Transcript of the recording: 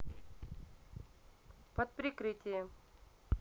под прикрытием